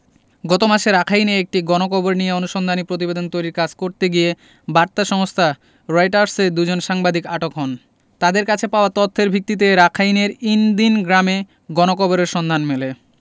গত মাসে রাখাইনে একটি গণকবর নিয়ে অনুসন্ধানী প্রতিবেদন তৈরির কাজ করতে গিয়ে বার্তা সংস্থা রয়টার্সের দুজন সাংবাদিক আটক হন তাঁদের কাছে পাওয়া তথ্যের ভিত্তিতে রাখাইনের ইন দিন গ্রামে গণকবরের সন্ধান মেলে